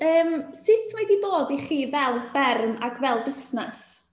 Yym, sut mae 'di bod i chi fel fferm, ac fel busnes?